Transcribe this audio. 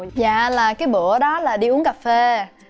dạ là cái bữa đó là đi uống cà phê